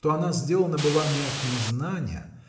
что она сделана была не от незнания